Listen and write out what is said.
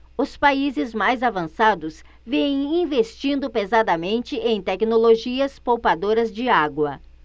os países mais avançados vêm investindo pesadamente em tecnologias poupadoras de água